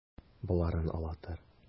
Боларын ала тор.